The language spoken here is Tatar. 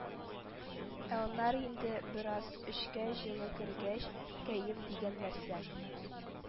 Ә аннары инде, бераз эчкә җылы кергәч, кәеф дигән нәрсә